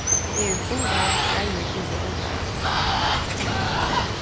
eg eri fullvæl greiður yvir álvaran